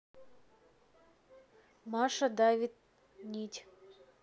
маша давид нить